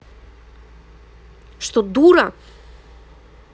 что дура